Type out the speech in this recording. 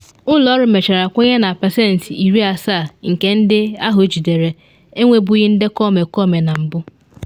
Ụlọ ọrụ mechara kwenye na pasentị 70 nke ndị ahụ ejidere enwebughi ndekọ omekome na mbụ.